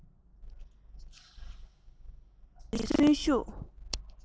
ཁྱོད ཀྱིས གསོན ཤུགས